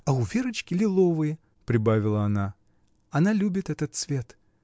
— А у Верочки лиловые, — прибавила она. — Она любит этот цвет.